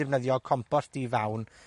defnyddio compost di-fawn